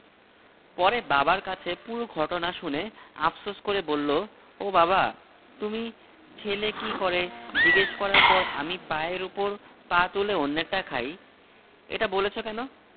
৬. যখন দেখবেন পত্রিকা পড়ার সময় আবহাওয়ার পূর্বাভাস অংশটুকু লোকে আর এড়িয়ে যাচ্ছে না ৭. যখন দেখবেন আশপাশে হুট করে